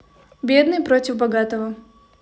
бедный против богатого